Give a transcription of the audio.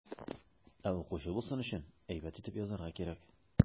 Ә укучы булсын өчен, әйбәт итеп язарга кирәк.